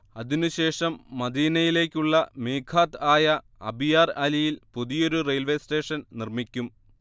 അതിനു ശേഷം മദീനയിലേക്കുള്ള മീഖാത്ത് ആയ അബിയാർ അലിയിൽ പുതിയൊരു റെയിൽവേ സ്റ്റേഷൻ നിർമ്മിക്കും